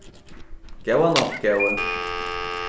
góða nátt góði